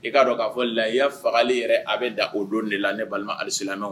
I k'a dɔn k'a fɔli la i' fagali yɛrɛ a bɛ da o don de la ne balima alisala